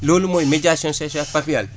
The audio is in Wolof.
loolu mooy médiation sociale faw yàlla